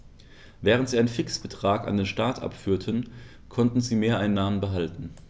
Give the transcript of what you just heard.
Während sie einen Fixbetrag an den Staat abführten, konnten sie Mehreinnahmen behalten.